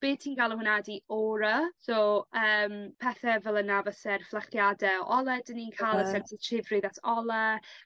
be' ti'n galw hwnna ydi aura so yym pethe fel yna fyse'r flachiade o ole 'dyn ni'n ca'l y sensitifrwydd ar ole.